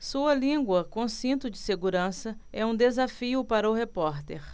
sua língua com cinto de segurança é um desafio para o repórter